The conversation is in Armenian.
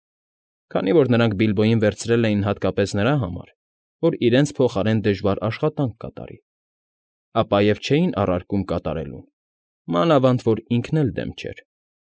Քանի որ նրանք Բիլբոյին վերցրել էին հատկապես նրա համար, որ իրենց փոխարեն դժվար աշխատանք կատարի, ապա և չէին առարկում կատարելուն, մանավանդ որ ինքն էլ դեմ չէր։